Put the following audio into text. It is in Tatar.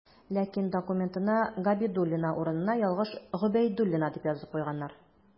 Ләкин документына «Габидуллина» урынына ялгыш «Гобәйдуллина» дип язып куйганнар.